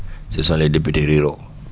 ce sont les députés ruraux